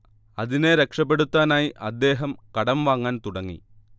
അതിനെ രക്ഷപെടുത്താനായി അദ്ദേഹം കടം വാങ്ങാൻ തുടങ്ങി